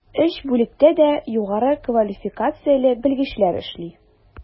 Өч бүлектә дә югары квалификацияле белгечләр эшли.